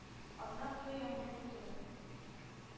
Атна буе яңгыр койды.